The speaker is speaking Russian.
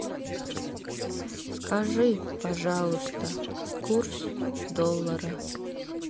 скажи пожалуйста курс доллара